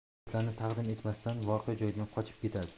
hujjatlarini taqdim etmasdan voqea joyidan qochib ketadi